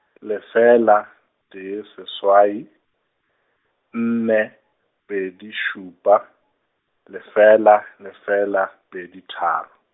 lefela, tee seswai, nne, pedi šupa, lefela, lefela, pedi, tharo.